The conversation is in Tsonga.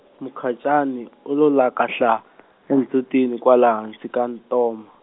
Mukhacani u lo lakahla , endzhutini kwala hansi ka ntoma.